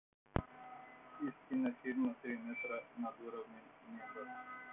из кинофильма три метра над уровнем неба